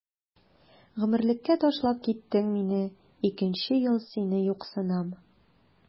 Гомерлеккә ташлап киттең мине, икенче ел сине юксынам.